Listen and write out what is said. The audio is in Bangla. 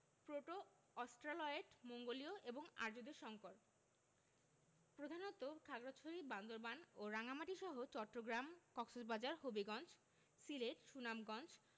প্রোটো অস্ট্রালয়েড মঙ্গোলীয় এবং আর্যদের সংকর প্রধানত খাগড়াছড়ি বান্দরবান ও রাঙ্গামাটিসহ চট্টগ্রাম কক্সবাজার হবিগঞ্জ সিলেট সুনামগঞ্জ